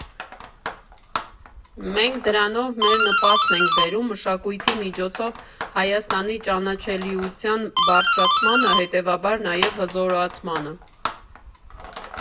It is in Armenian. Մենք դրանով մեր նպաստն ենք բերում մշակույթի միջոցով Հայաստանի ճանաչելիության բարձրացմանը, հետևաբար նաև հզորացմանը։